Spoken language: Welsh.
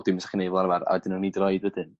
bob dim 'sa chdi neud fel arfar a oni 'di roid wedyn